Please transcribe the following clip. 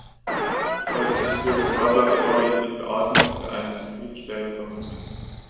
Ich halte den endgültigen Wortlaut der vorgelegten Verordnung für einen zufrieden stellenden Kompromiss.